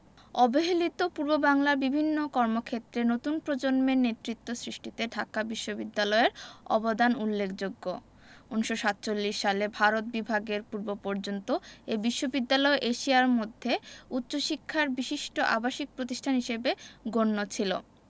অবহেলিত পূর্ববাংলার বিভিন্ন কর্মক্ষেত্রে নতুন প্রজন্মের নেতৃত্ব সৃষ্টিতে ঢাকা বিশ্ববিদ্যালয়ের অবদান উল্লেখযোগ্য ১৯৪৭ সালে ভারত বিভাগের পূর্বপর্যন্ত এ বিশ্ববিদ্যালয় এশিয়ার মধ্যে উচ্চশিক্ষার বিশিষ্ট আবাসিক প্রতিষ্ঠান হিসেবে গণ্য ছিল